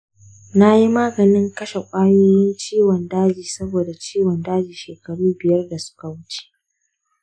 na yi maganin kashe ƙwayoyin ciwon daji saboda ciwon daji shekaru biyar da suka wuce.